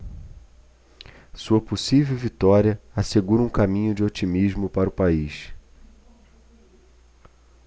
sua possível vitória assegura um caminho de otimismo para o país